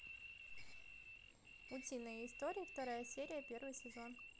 утиные истории вторая серия первый сезон